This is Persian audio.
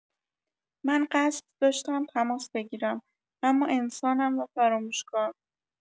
من قصد داشتم تماس بگیرم، اما انسانم و فراموش‌کار.